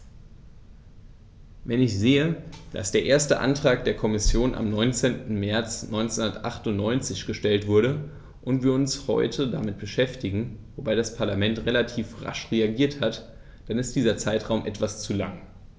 Wenn ich sehe, dass der erste Antrag der Kommission am 19. März 1998 gestellt wurde und wir uns heute damit beschäftigen - wobei das Parlament relativ rasch reagiert hat -, dann ist dieser Zeitraum etwas zu lang.